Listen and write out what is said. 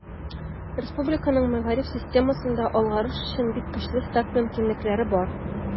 Республиканың мәгариф системасында алгарыш өчен бик көчле старт мөмкинлекләре бар.